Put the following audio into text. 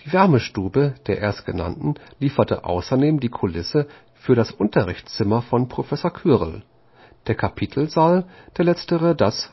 Wärmestube der Erstgenannten lieferte außerdem die Kulisse für das Unterrichtszimmer von Professor Quirrel, der Kapitelsaal der Letzteren das